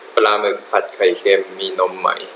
ปลาหมึกผัดไข่เค็มมีนมไหม